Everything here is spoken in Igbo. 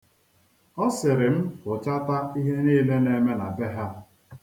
Ọ sịrị m hụchataa ihe niile na-eme na be ha.